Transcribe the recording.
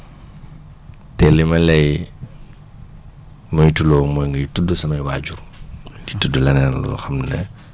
te li ma lay moytuloo mooy ngay tudd samay waajur di tudd leneen loo xam ne